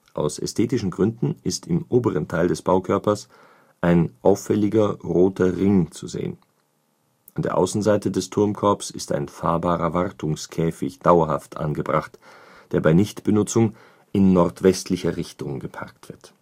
Aus ästhetischen Gründen ist im oberen Teil des Baukörpers ein auffälliger roter Ring zu sehen. An der Außenseite des Turmkorbs ist ein fahrbarer Wartungskäfig dauerhaft angebracht, der bei Nichtbenutzung in nordwestlicher Richtung geparkt